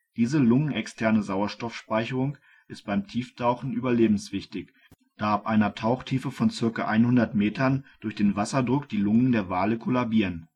Diese lungenexterne Sauerstoffspeicherung ist beim Tieftauchen überlebenswichtig, da ab einer Tauchtiefe von ca. 100 m durch den Wasserdruck die Lungen der Wale kollabieren